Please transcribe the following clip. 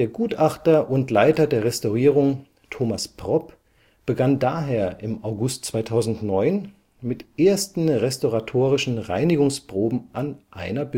Gutachter und Leiter der Restaurierung Thomas Propp begann daher im August 2009 mit ersten restauratorischen Reinigungsproben an einer